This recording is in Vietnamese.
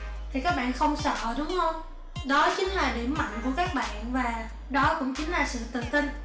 thì các bạn không sợ đúng hông đó chính là điểm mạnh của các bạn và đó cũng chính là sự tự tin